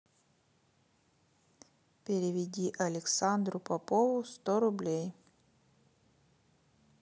переведи александру попову сто рублей